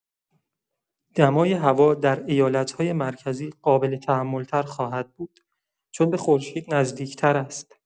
دمای هوا در ایالت‌های مرکزی قابل تحمل‌تر خواهد بود؛ چون به خورشید نزدیک‌تر است.